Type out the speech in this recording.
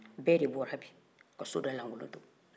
bɛɛ de bɔra bi ka soda lankolon to